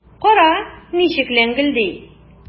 Кара, ничек ләңгелди!